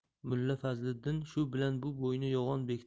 mulla fazliddin shu bilan bu bo'yni